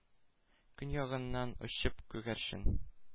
Көньягыннан очып күгәрчен